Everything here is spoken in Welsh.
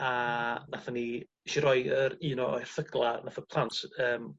a nathon ni isie roi yr un o erthygla nath y plant yym